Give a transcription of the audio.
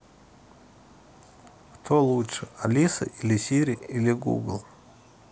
кто лучше алиса или сири или google